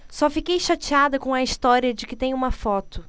só fiquei chateada com a história de que tem uma foto